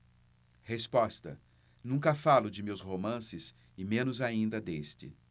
resposta nunca falo de meus romances e menos ainda deste